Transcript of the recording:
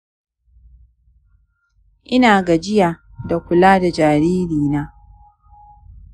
ina gajiya da kula da jariri na